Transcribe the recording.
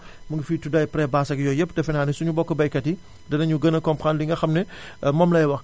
mu ngi fiy tudd ay prés base ak yooyu yépp defenaa ne suñu mbokku baykat yi dinañu gën a comprendre li nga xam ne moom lay wax